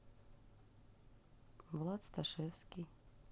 влад сташевский